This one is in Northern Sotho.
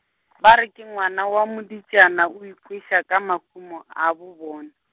ba re ke ngwana wa moditšana o ikweša ka mahumo a bobona.